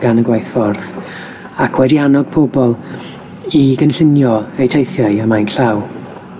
gan y gwaith ffordd, ac wedi annog pobol i gynllunio eu teithiau ymaen llaw.